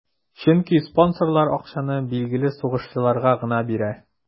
Чөнки спонсорлар акчаны билгеле сугышчыларга гына бирә.